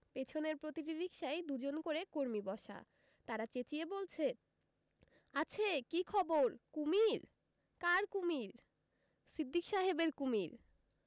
পেছনের প্রতিটি রিকশায় দু জন করে কর্মী বসা তাঁরা চেঁচিয়ে বলছে আছে কি খবর কুমীর কার কুমীর সিদ্দিক সাহেবের কুমীর